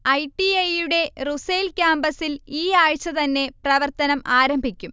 I. T. I യുടെ Rusail ക്യാമ്പസ്സിൽ ഈയാഴ്ച്ച തന്നെ പ്രവർത്തനം ആരംഭിക്കും